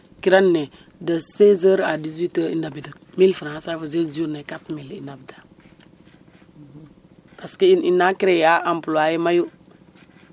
kiran ne de de 16 heure a 18 heure i ɗabda 1000fr ça veut dire i ɗaɓda parce ina créer a employé mayu.